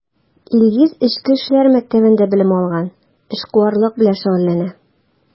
Илгиз Эчке эшләр мәктәбендә белем алган, эшкуарлык белән шөгыльләнә.